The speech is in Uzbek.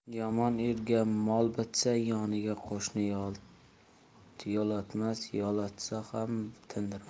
yomon erga mol bitsa yoniga qo'shni yoiatmas yoiatsa ham tindirmas